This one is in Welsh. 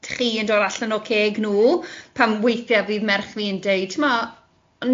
..chi yn dod allan o ceg nhw pan weithiau fydd merch fi yn dweud ti'bod,